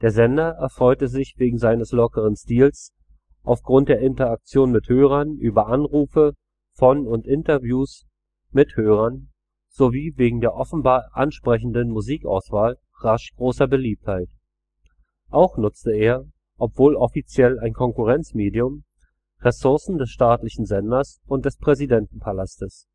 Sender erfreute sich wegen seines lockeren Stils, aufgrund der Interaktion mit Hörern über Anrufe von und Interviews mit Hörern sowie wegen der offenbar ansprechenden Musikauswahl rasch großer Beliebtheit. Auch nutzte er – obwohl offiziell ein Konkurrenzmedium – Ressourcen des staatlichen Senders und des Präsidentenpalastes